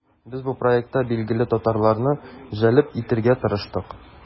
Без бу проектка билгеле татарларны җәлеп итәргә тырыштык.